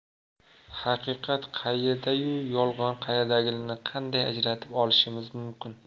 haqiqat qayerda yu yolg'on qayerdaligini qanday ajratib olishimiz mumkin